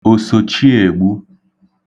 òsòchiègbu